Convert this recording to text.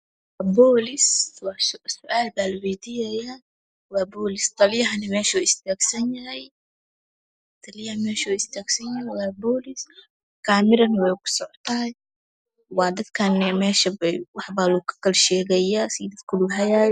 Waa boolis suaal baa weydiiyaa, waa boolis taliyahana meeshuu istaagsan yahay waa boolis kaamirana wey ku socotaa waa dadkaani meesha bay waxbaa lootala sheegoyaa sii dadka loo hadlaayo.